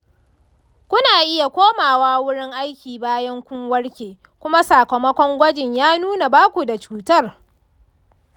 kuna iya komawa wurin aiki bayan kun warke kuma sakamakon gwaji ya nuna ba ku da cutar.